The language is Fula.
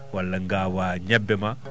walla ngaawaa ñebbe ma